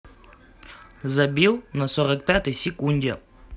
забил на сорок пятой секунде